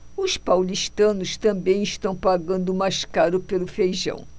os paulistanos também estão pagando mais caro pelo feijão